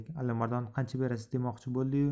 a lim ardon qancha berasiz d emoqchi bo'ldi yu